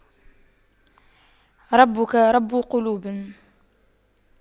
ربك رب قلوب